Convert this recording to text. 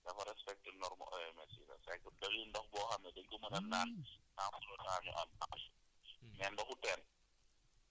c' est à dire ndox boo xam ne dafa respecté normes OMS yi la fekk day ndox boo xam ne dañ ko mën a naan sans que mu changer apparence